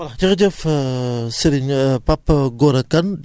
di la gërëm yow tamit ci accueil beeg lépp daal